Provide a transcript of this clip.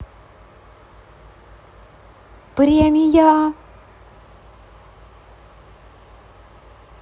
премия